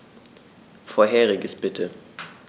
Vorheriges bitte.